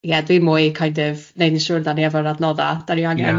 Ie dwi mwy kind of neud yn siŵr dan ni efo'r adnoddau dan ni angen... Ie.